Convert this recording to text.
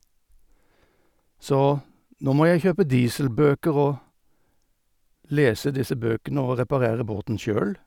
Så nå må jeg kjøpe dieselbøker og lese disse bøkene og reparere båten sjøl.